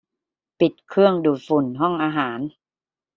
ปิดเครื่องดูดฝุ่นห้องอาหาร